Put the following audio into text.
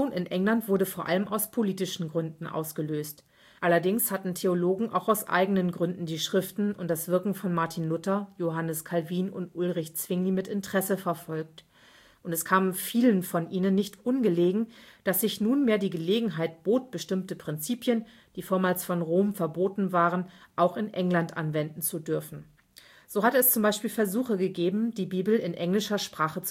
England wurde vor allem aus politischen Gründen ausgelöst. Allerdings hatten Theologen auch aus eigenen Gründen die Schriften und das Wirken von Martin Luther, Johannes Calvin und Ulrich Zwingli mit Interesse verfolgt, und es kam vielen von ihnen nicht ungelegen, dass sich nun mehr die Gelegenheit bot, bestimmte Prinzipien, die vormals von Rom verboten waren, auch in England anwenden zu dürfen. So hatte es z. B. Versuche gegeben, die Bibel in englischer Sprache